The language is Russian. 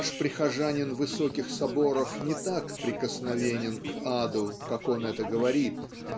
наш прихожанин высоких соборов не так прикосновенен к аду как он это говорит